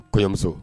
Kɔɲɔmuso